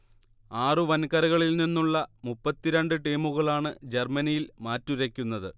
ആറു വൻകരകളിൽ നിന്നുള്ള മുപ്പത്തി രണ്ട് ടീമുകളാണ് ജർമ്മനിയിൽ മാറ്റുരയ്ക്കുന്നത്